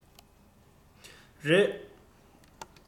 རེད